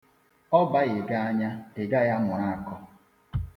Ọ baghị gị anya, Ị gaghị amụrụ akọ.